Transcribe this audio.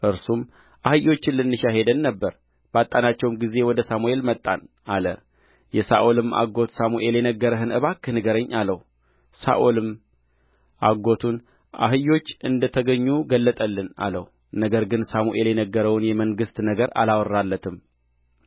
እርሱም አህዮችን ልንሻ ሄደን ነበር ባጣናቸውም ጊዜ ወደ ሳሙኤል መጣን አለ የሳኦልም አጎት ሳሙኤል የነገረህን እባክህ ንገረኝ አለው ሳኦልም አጎቱን አህዮች እንደ ተገኙ ገለጠልን አለው ነገር ግን ሳሙኤል የነገረውን የመንግሥትን ነገር አላወራለትም